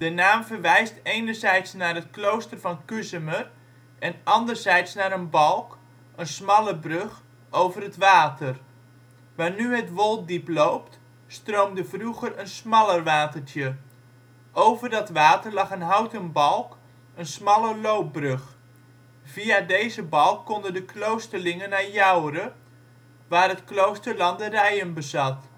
naam verwijst enerzijds naar het klooster van Kuzemer, en anderzijds naar een balk (een smalle brug) over het water. Waar nu het Wolddiep loopt, stroomde vroeger een smaller watertje. Over dat water lag een houten balk, een smalle loopbrug. Via deze balk konden de kloosterlingen naar Joure, waar het klooster landerijen bezat